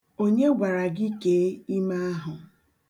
Onye gwara gị kee ime ahụ?